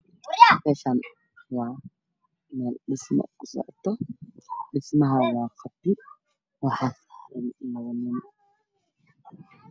Meshan waa mel dhismo kasocoto dhismad waa qabyo waxasaran labo nin